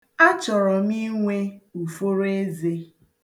A chọrọ m i nwe uforoeze.